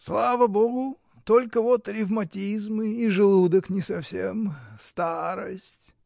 — Слава Богу: только вот ревматизмы и желудок не совсем. старость!